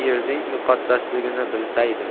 yerning muqaddasligini bilsaydim